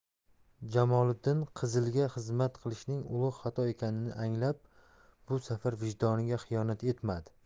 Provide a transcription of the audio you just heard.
jamoliddin qizilga xizmat qilishning ulug' xato ekanini anglab bu safar vijdoniga xiyonat etmadi